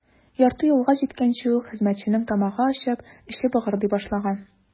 Ярты юлга җиткәнче үк хезмәтченең тамагы ачып, эче быгырдый башлаган.